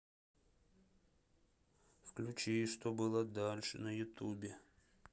включи что было дальше на ютубе